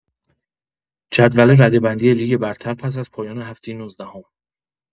جدول رده‌بندی لیگ برتر پس‌از پایان هفته نوزدهم